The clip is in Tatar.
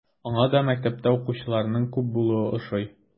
Аңа да мәктәптә укучыларның күп булуы ошый.